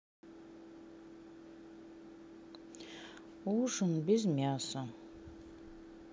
ужин без мяса